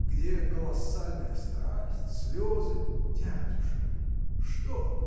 – Где колоссальная страсть, слезы?. – Дядюшка! – Что?